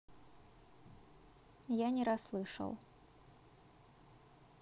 я не расслышал